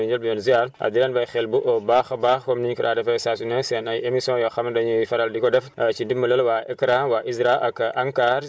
nuyu ñëpp di leen ziar di leen bàyyi xel bu baax a baax comme ni ñu ko daan defee saa su ne seen ay émission yoo xam ne dañuy faral di ko def si dimbalal waa AICRA waa ISRA ak ANCAR